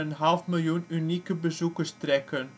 half miljoen unieke bezoekers trekken